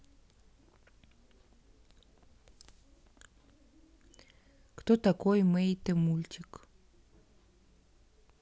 кто такой matter мультик